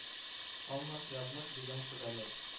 Алмас язмыш дигән Шүрәле